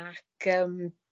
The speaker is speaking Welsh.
Ac yym.